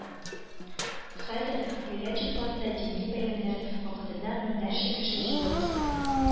Хәзер “Лалә-Тюльпан”да дини бәйрәмнәр вакытында меңнәрчә кеше җыелып китә